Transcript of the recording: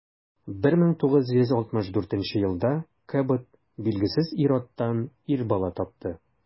1964 елда кэбот билгесез ир-аттан ир бала тапты.